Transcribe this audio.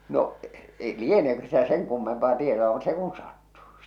no ei lieneekö sitä sen kummempaa tietoa mutta se kun sattui